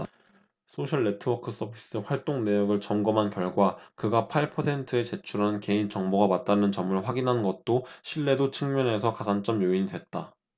소셜네트워크서비스 활동내역을 점검한 결과 그가 팔 퍼센트에 제출한 개인정보가 맞다는 점을 확인한 것도 신뢰도 측면에서 가산점 요인이 됐다